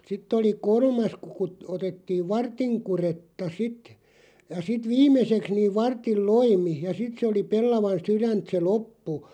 sitten oli kolmas kun - otettiin vartin kudetta sitten ja sitten viimeiseksi niin vartin loimi ja sitten se oli pellavan sydäntä se loppu